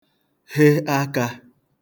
he akā